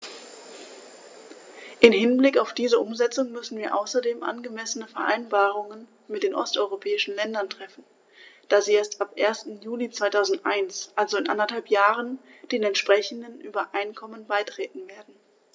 Im Hinblick auf diese Umsetzung müssen wir außerdem angemessene Vereinbarungen mit den osteuropäischen Ländern treffen, da sie erst ab 1. Juli 2001, also in anderthalb Jahren, den entsprechenden Übereinkommen beitreten werden.